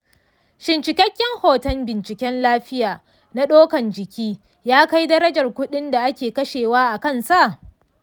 shin cikakken hoton binciken lafiya na dukan jiki ya kai darajar kuɗin da ake kashewa a kansa?